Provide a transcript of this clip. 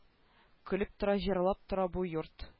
Көлеп тора җырлап тора бу йорт